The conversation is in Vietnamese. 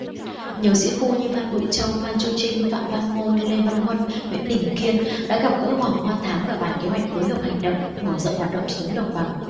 nhiều sĩ phu như phan bội châu phan chu trinh phạm văn ngôn lê văn huân nguyễn đình kiên đã gặp gỡ hoàng hoa thám và bàn kế hoạch phối hợp hành động mở rộng hoạt động xuống đồng bằng